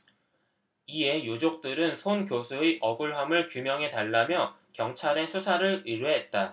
이에 유족들은 손 교수의 억울함을 규명해 달라며 경찰에 수사를 의뢰했다